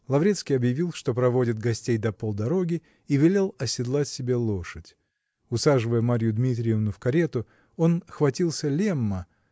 Лаврецкий объявил, что проводит гостей до полдороги, и велел оседлать себе лошадь, Усаживая Марью Дмитриевну в карету, он хватился Лемма